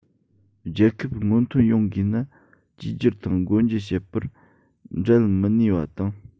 རྒྱལ ཁབ སྔོན ཐོན ཡོང དགོས ན བཅོས སྒྱུར དང སྒོ འབྱེད བྱེད པར འབྲལ མི ནུས པ དང